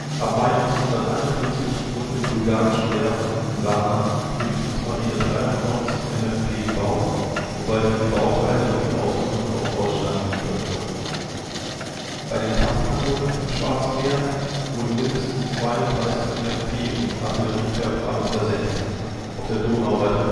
Ab Mai 1941 wurden in bulgarischen Werften in Warna (Staatswerft, Werft Koralowag, Marinearsenal) für die Kriegsmarine 93 MFP gebaut, wobei viele Bauteile und die Ausrüstung aus Deutschland geliefert wurden. Bei den Kampfhandlungen im Schwarzen Meer wurden mindestens 32 MFP und AF versenkt, auf der Donau weitere